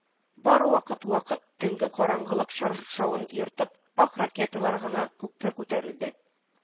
Бары вакыт-вакыт, төнге караңгылык чаршавын ертып, ак ракеталар гына күккә күтәрелде